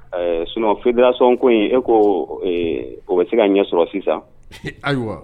Ɛɛ sinon fédération ko in e koo ɛɛ o bɛ se ka ɲɛsɔrɔ sisan ayiwaa